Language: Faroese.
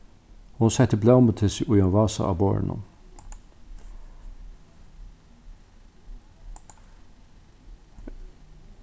hon setti blómutyssið í ein vasa á borðinum